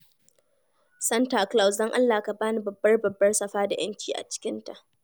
Santa Claus, don Allah ka ba ni babbar babbar safa da 'yanci a cikinta.